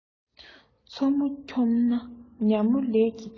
མཚོ མོ འཁྱོམས ན ཉ མོ ལས ཀྱིས འཁྱོམ